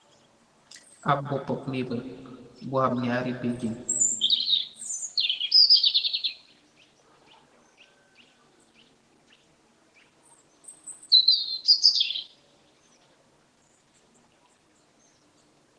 Ab bopap mebal, bu ham nyaari bejaen